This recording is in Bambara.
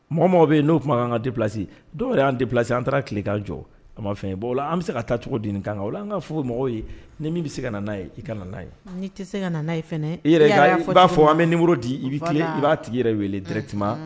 Mɔgɔ bɛ n'o tun kuma'an ka di plasi dɔw y an di plasi an taara tile k' jɔ a ma fɛn ye bɔ ola an bɛ se ka taacogo di kan an ka fɔ mɔgɔw ye ni min bɛ se ka n'a ye i ka n' ye n tɛ se ka' ye i i b'a fɔ a mɛ ni muru di i i b'a tigi i yɛrɛ weele dti